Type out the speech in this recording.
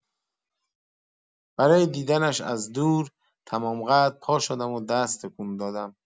برا دیدنش از دور، تمام‌قد پاشدم و دست تکون دادم.